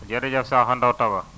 jërëjëf Sakho Ndao Taba